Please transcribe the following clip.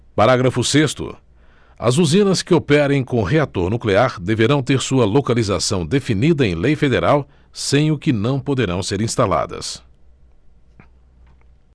parágrafo sexto as usinas que operem com reator nuclear deverão ter sua localização definida em lei federal sem o que não poderão ser instaladas